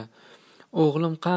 o'g'lim qani